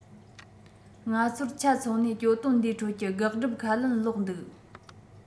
ང ཚོར ཆ མཚོན ནས གྱོད དོན འདིའི ཁྲོད ཀྱི དགག སྒྲུབ ཁ ལན སློག འདུག